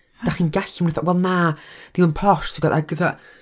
Dach chi'n gallu, ma' nhw fatha "wel, na, ddim yn posh tibod?" Ac dwi fatha...